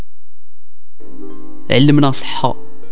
المناصحه